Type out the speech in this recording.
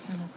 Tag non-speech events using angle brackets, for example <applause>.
<hesitation> <hesitation>